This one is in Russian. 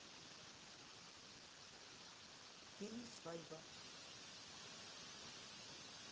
фильм свадьба